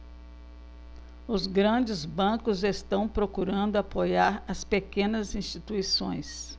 os grandes bancos estão procurando apoiar as pequenas instituições